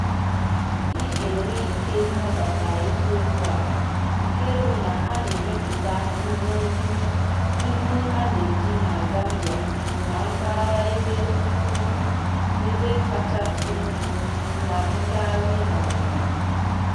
Ị ga-enwe ike nabata eziokwu a nke bụ na a na-emepụta ngwugwu ndị a na-eji na Zambia na mpaghara ebe ụkpụrụ, n'ebe kachasịnụ, na-adịkarị na nde.